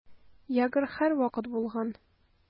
Ягр һәрвакыт булган.